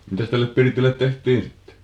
mitäs tälle pirtille tehtiin sitten